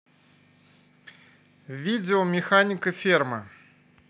видео механика ферма